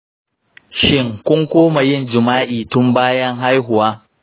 shin kun koma yin jima’i tun bayan haihuwa?